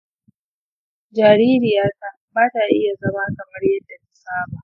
jaririya ta ba ya iya zama kamar yadda ta saba.